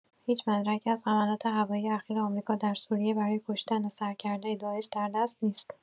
هیچ مدرکی از حملات هوایی اخیر آمریکا در سوریه برای کشتن سرکرده داعش در دست نیست.